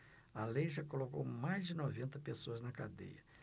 a lei já colocou mais de noventa pessoas na cadeia